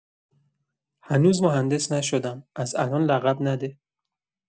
هنوز مهندس نشدم، از الان لقب نده.